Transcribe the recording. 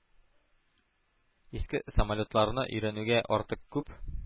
Иске самолетларны өйрәнүгә артык күп